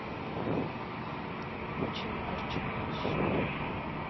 очень огорчаюсь